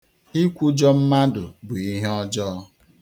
Ikwụjọ mmadụ bụ ihe ọjọọ.